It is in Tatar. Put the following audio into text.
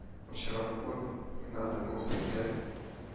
Очраклык уйнады булса кирәк